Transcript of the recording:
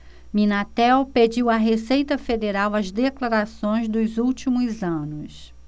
minatel pediu à receita federal as declarações dos últimos anos